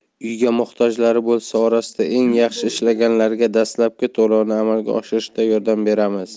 uyga muhtojlari bo'lsa orasida eng yaxshi ishlaganlariga dastlabki to'lovini amalga oshirishda yordam beramiz